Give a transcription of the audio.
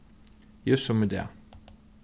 júst sum í dag